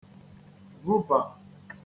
vubà